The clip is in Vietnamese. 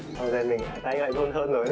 ô cê bình tay anh lại run hơn rồi